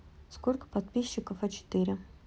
сколько подписчиков а четыре